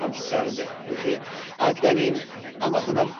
amser ynde wlch chi. Ag 'dan ni'n a ma' hwnna'n